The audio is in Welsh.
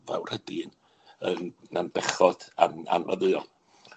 fawrhydi'n yn 'wna'n bechod an- anfaddeuol.